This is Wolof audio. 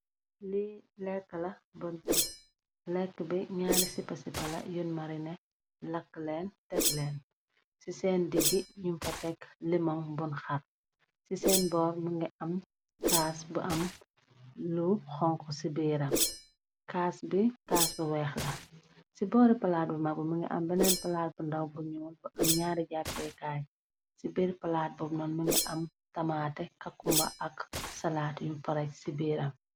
lii lekka la bun tek lekka bi naari sipa sipala yun marine lakk leen tek leen ci seen diggi nung fa tek lemoŋ bun xar ci seen boor mogi am caas bu am lu xonk ci biiram caas bi caas bu weex la ci boori palaat bu magbu më nga am beneen palaat bu ndaw bu ñuol bu am ñaari jàppeekaay ci biir palaat bob noon më nga am tamaate kakumba ak salaat yu parej ci biiram.